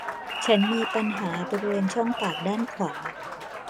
ฉันมีปัญหาบริเวณช่องปากด้านขวา